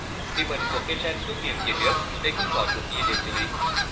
vì bệnh của cây sen xuất hiện dưới nước nên không có thuốc gì để xử lý